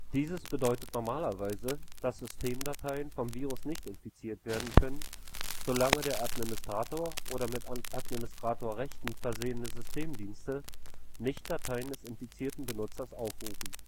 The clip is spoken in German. Dieses bedeutet normalerweise, dass Systemdateien vom Virus nicht infiziert werden können, solange der Administrator oder mit Administratorrechten versehene Systemdienste nicht Dateien des infizierten Benutzers aufrufen